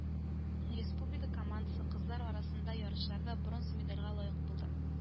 Республика командасы кызлар арасында ярышларда бронза медальгә лаек булды.